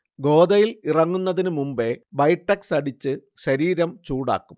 ഗോദയിൽ ഇറങ്ങുന്നതിന് മുമ്പ് ബൈഠക്സ് അടിച്ച് ശരീരം ചൂടാക്കും